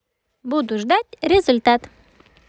буду ждать результат